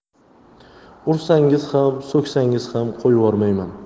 ursangiz ham so'ksangiz ham qo'yvormayman